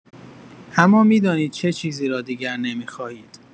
اما می‌دانید چه چیزی را دیگر نمی‌خواهید.